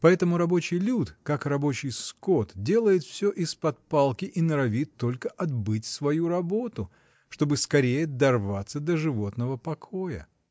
поэтому рабочий люд, как рабочий скот, делает всё из-под палки и норовит только отбыть свою работу, чтобы скорее дорваться до животного покоя.